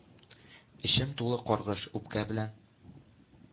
Эчем тулы каргыш, үпкә белән